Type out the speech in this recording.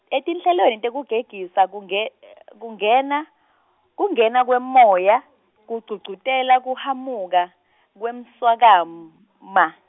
etinhlelweni tekugegisa kunge- kungena, kungena kwemoya, kugcugcutela kuhamuka, kwemswakama.